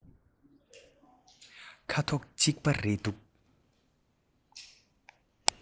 ཁ དོག གཅིག པ རེད འདུག